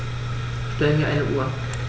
Stell mir eine Uhr.